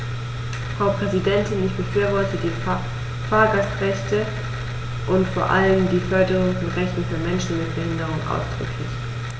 Frau Präsidentin, ich befürworte die Fahrgastrechte und vor allem die Förderung von Rechten für Menschen mit Behinderung ausdrücklich.